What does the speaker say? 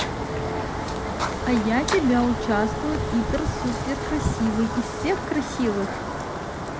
а я тебя участвуют итр супер красивый из всех красивых